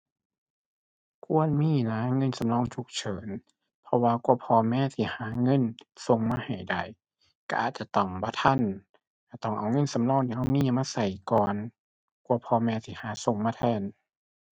ควรมีนะ เงินสำรองฉุกเฉิน เพราะว่ากว่าพ่อแม่สิหาเงินส่งมาให้ได้ก็อาจจะต้องบ่ทัน ก็ต้องเอาเงินสำรองที่ก็มีมาก็ก่อน กว่าพ่อแม่สิหาส่งมาแทน